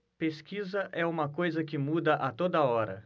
pesquisa é uma coisa que muda a toda hora